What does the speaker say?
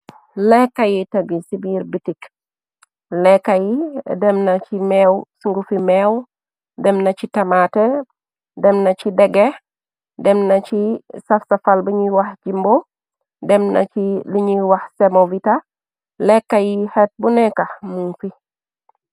lekka yi tabi si biir bitik lekka yi dem na ci méew sngufi méew dem na ci tamatë dem na ci degeex dem na ci safsafal biñuy wax jimbo dem na cliñuy wax semovita lekka yi xet bu nekax mum fi